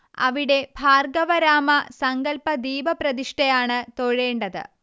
അവിടെ ഭാർഗ്ഗവരാമ സങ്കല്പ ദീപപ്രതിഷ്ഠയാണ് തൊഴേണ്ടത്